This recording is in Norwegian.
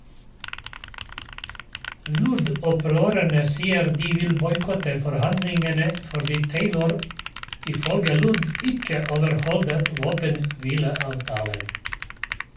LURD-opprørerne sier de vil boikotte forhandlingene fordi Taylor ifølge LURD ikke overholder våpenhvileavtalen.